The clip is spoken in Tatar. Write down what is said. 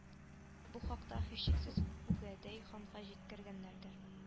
Бу хакта һичшиксез үгәдәй ханга җиткергәннәрдер